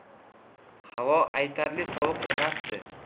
havo aytarli sovuq emasdi